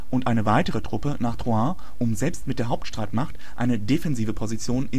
und eine weitere Gruppe nach Troarn, um selbst mit der Hauptstreitmacht eine defensive Position